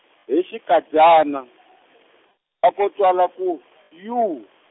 hi xinkadyana , a ko twala ku, yuu.